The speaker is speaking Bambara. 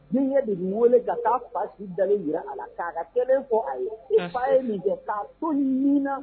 Ni ye nin wele ka taa a fa su dalen jira a la, k'a ka kɛlen fɔ a ye, i fa ye nin kɛ k'a to ni na